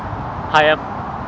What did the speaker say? hai em